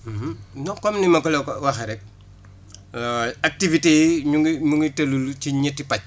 non comme ni ma la ko waxee rek activité yi ñu ngi ñu ngi teewlu ci ñetti pàcc